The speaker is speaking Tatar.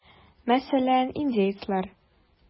Мәсәлән, индеецлар.